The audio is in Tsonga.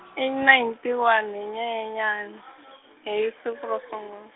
e ninenty one, hi Nyenyenyani, hi siku ro sungul-.